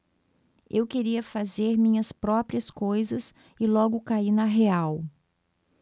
eu queria fazer minhas próprias coisas e logo caí na real